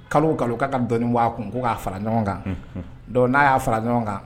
Kalo kalo ka ka dɔnni bɔ a kun ko k'a fara ɲɔgɔn kan n'a y'a fara ɲɔgɔn kan